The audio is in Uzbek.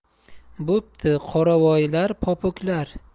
bo'pti qoravoylar popuklar